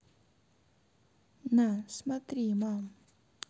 на смотри мам